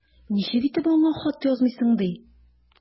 Ничек итеп аңа хат язмыйсың ди!